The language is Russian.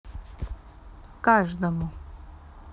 каждому